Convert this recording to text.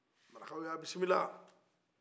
marakaw ye a bisimila